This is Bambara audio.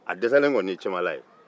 a dɛsɛlen kɔni ye cɛmala ye